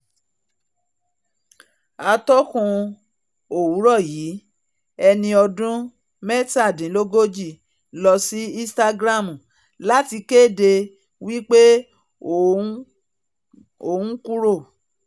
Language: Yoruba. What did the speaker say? Atọ́kùn Òwúrọ̀ yìí, ẹni oḍún mẹ́tàdínlógòjì lọsí Instagram láti kéde wípé ó ńkúrò.